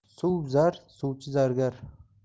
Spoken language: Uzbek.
suv zar suvchi zargar